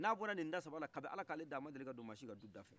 n'a bɔra ni da sbala kab'ala k'ale da a ma deli ka don masi ka du dafɛ